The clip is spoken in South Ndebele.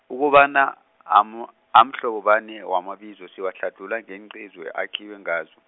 ukobana, amo- amhlobo bani, wamabizo siwatlhadlhula ngeengcezu akhiwe ngazo.